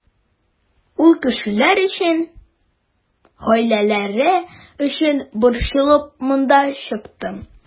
Ул кешеләр өчен, гаиләләре өчен борчылып монда чыктым.